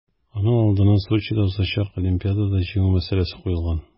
Аның алдына Сочида узачак Олимпиадада җиңү мәсьәләсе куелган.